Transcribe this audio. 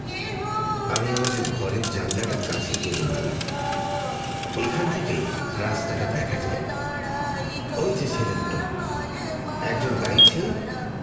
আমি আমাদের ঘরের জানলাটার কাছে গিয়ে দাঁড়ালাম এখান থেকে রাস্তাটা দেখা যায় ওই যে ছেলে দুটো একজন গাইছে